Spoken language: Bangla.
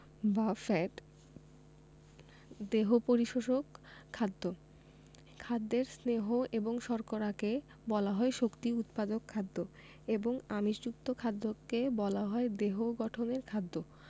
বা ফ্যাট দেহ পরিশোষক খাদ্য খাদ্যের স্নেহ এবং শর্করাকে বলা হয় শক্তি উৎপাদক খাদ্য এবং আমিষযুক্ত খাদ্যকে বলা হয় দেহ গঠনের খাদ্য